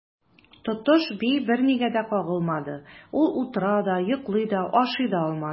Тотыш би бернигә дә кагылмады, ул утыра да, йоклый да, ашый да алмады.